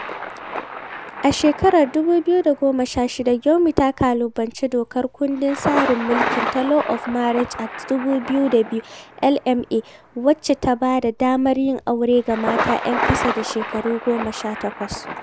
A shekarar 2016, Gyumi ta ƙalubalanci dokar kundin tsarin mulki ta Law of Marriage Act. 2002 (LMA) wacce ta ba da damar yin aure ga mata 'yan ƙasa da shekaru 18.